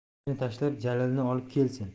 seni tashlab jalilni olib kelsin